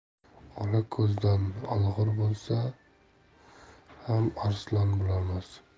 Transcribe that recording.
ola ko'zdan olg'ir bo'lsa ham arslon bo'lolmas